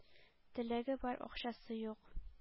Теләге бар, акчасы юк.